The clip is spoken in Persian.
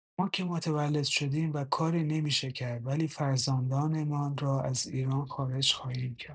ما که متولد شدیم و کاری نمی‌شه کرد ولی فرزندانمان را از ایران خارج خواهیم کرد